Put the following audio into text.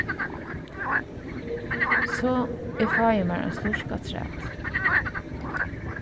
so eg fái mær ein slurk afturat